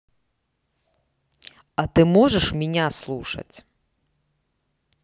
а ты можешь меня слушать